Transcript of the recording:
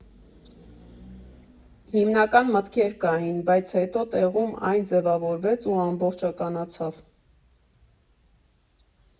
Հիմնական մտքեր կային, բայց հետո տեղում այն ձևավորվեց ու ամբողջականացավ։